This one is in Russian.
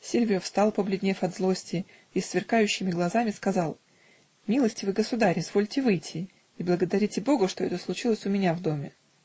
Сильвио встал, побледнев от злости, и с сверкающими глазами сказал: "Милостивый государь, извольте выйти, и благодарите бога, что это случилось у меня в доме".